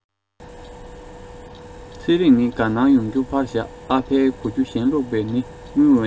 ཚེ རིང ནི དགའ སྣང ཡོང རྒྱུ ཕར བཞག ཨ ཕའི གོ རྒྱུ གཞན བླུག པ ནི དངུལ འོན ཏེ